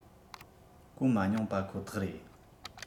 གོ མ མྱོང པ ཁོ ཐག རེད